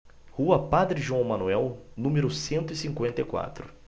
rua padre joão manuel número cento e cinquenta e quatro